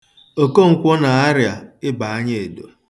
Okonkwọ na-arịa ịbaanyaedo.